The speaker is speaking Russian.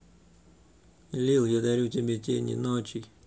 lil я дарю тебе тени ночей